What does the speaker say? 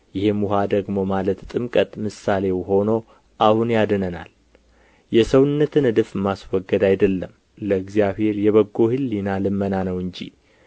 ይህም ውኃ ደግሞ ማለት ጥምቅት ምሳሌው ሆኖ አሁን ያድነናል የሰውነትን እድፍ ማስወገድ አይደለም ለእግዚአብሔር የበጎ ሕሊና ልመና ነው እንጂ